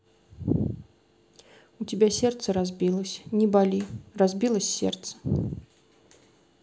у тебя сердце разбилось не боли разбилось сердце